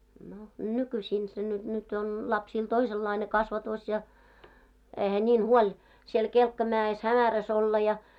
no nykyisin se - nyt on lapsilla toisenlainen kasvatus ja eihän niin huoli siellä kelkkamäessä hämärässä olla ja